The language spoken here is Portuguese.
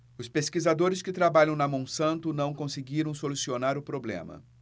os pesquisadores que trabalham na monsanto não conseguiram solucionar o problema